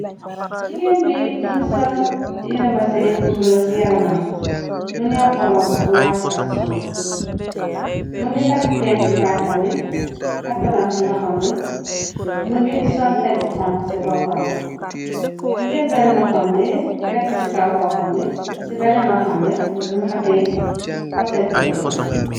Jigeen bi më ngi sol yirembasi bu bulo ci yaramam bi mu ñaw ko roopb bu wàcc ba ci suuf më ngi takk cenn ci baatam bi takk lam ci loxam bi më ngi sol teg bu xonk ci boppam bi mu jel benn loxambi tekk ci kaw boppambi ci bennen loxambi mum fa teyeh poset bu bulo.